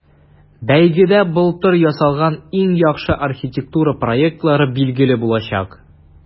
Бәйгедә былтыр ясалган иң яхшы архитектура проектлары билгеле булачак.